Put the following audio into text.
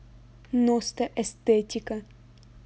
nosta эстетика